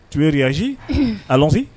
Tu veux réagir allons-y